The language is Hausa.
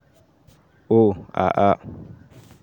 Oh, a’a.